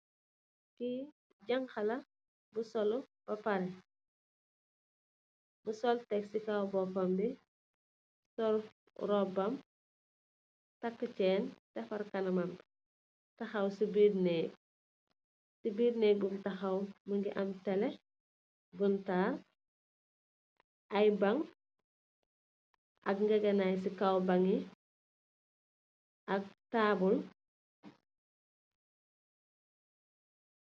Kii janxa la bu sollu ba pare. Mu sol tek si boopam bi, sol robam, bi, taccë ceen, defar canamam, taxaw si biir neek. Si biir neek bum taxaw nak mu ngi am tele, buñ taal, ay toogu ak ñegenaay si kow bañ yi, ak taabul.